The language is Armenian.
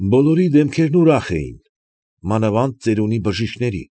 Բոլորի դեմքերն ուրախ էին, մանավանդ ծերունի բժիշկների։